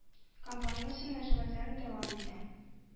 Компаниясе мөнәсәбәтләрен дәвам итә.